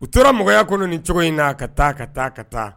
U tora mya kunun ni cogo in na ka taa ka taa ka taa